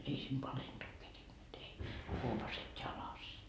ei siinä palentua kerinnyt ei huopaset jalassa